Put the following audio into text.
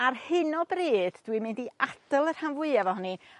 ar hyn o bryd dwi mynd i ad'el y rhan fwyaf ohoni